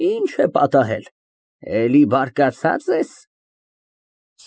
Ի՞նչ է պատահել, էլի բարկացած ես։